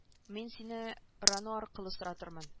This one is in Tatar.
Мин сине роно аркылы соратырмын